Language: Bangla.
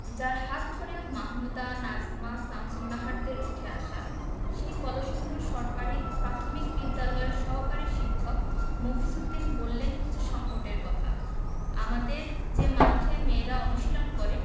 যাঁর হাত ধরে মাহমুদা নাজমা শামসুন্নাহারদের উঠে আসা সেই কলসিন্দুর সরকারি প্রাথমিক বিদ্যালয়ের সহকারী শিক্ষক মফিজ উদ্দিন বললেন কিছু সংকটের কথা আমাদের যে মাঠে মেয়েরা অনুশীলন করে